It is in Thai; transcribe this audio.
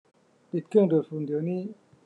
ปิดเครื่องดูดฝุ่นเดี๋ยวนี้